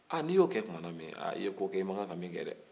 a n'i y'o kɛ tuma min na i ye ko kɛ i man kan ka min kɛ